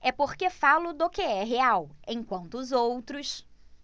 é porque falo do que é real enquanto os outros